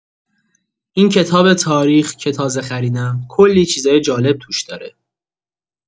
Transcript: این کتاب تاریخ که تازه خریدم، کلی چیزای جالب توش داره.